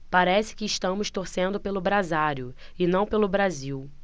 parece que estamos torcendo pelo brasário e não pelo brasil